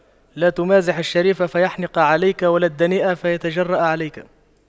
لا تمازح الشريف فيحنق عليك ولا الدنيء فيتجرأ عليك